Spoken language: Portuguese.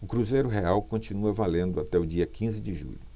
o cruzeiro real continua valendo até o dia quinze de julho